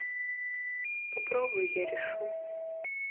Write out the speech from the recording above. попробуй я решу